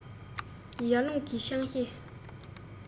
ཡར ཀླུང གིས ཆང གཞས